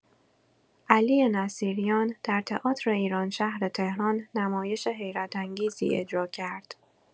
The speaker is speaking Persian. علی نصیریان در تئاتر ایرانشهر تهران نمایش حیرت‌انگیزی اجرا کرد.